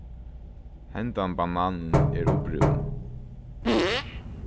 hendan bananin er ov brún